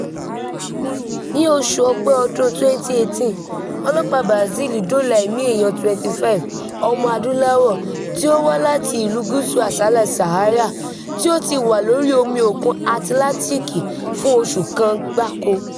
Ní oṣù Ọ̀pẹ ọdún-un 2018, Ọlọ́pàá Brazil dóòlà ẹ̀mí èèyàn 25 ọmọ-adúláwọ̀ tí ó wá láti Ìlú Gúúsù Aṣálẹ̀ Sahara "tí ó ti wà lọ́rí omi òkun Atlantic fún oṣù kan gbáko".